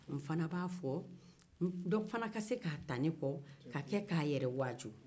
n'fana b'a fɔ dɔ fana ka se ka ta ne kɔ k'a kɛ k'a yɛrɛ waju